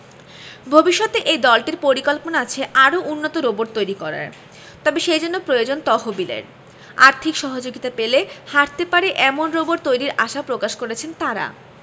ভবিষ্যতে এই দলটির পরিকল্পনা আছে আরও উন্নত রোবট তৈরি করার তবে সেজন্য প্রয়োজন তহবিলের আর্থিক সহযোগিতা পেলে হাটতে পারে এমন রোবট তৈরির আশা প্রকাশ করেছেন তারা